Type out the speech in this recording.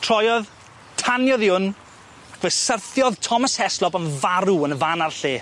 Troyodd, taniodd 'i wn, 'c fe syrthiodd Thomas Heslop yn farw yn y fan ar lle.